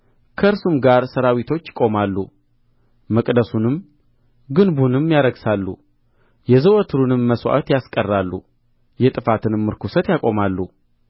ከእርሱም ጋር ሠራዊቶች ይቆማሉ መቅደሱንም ግንቡንም ያረክሳሉ የዘወትሩንም መሥዋዕት ያስቀራሉ የጥፋትንም ርኵሰት ያቆማሉ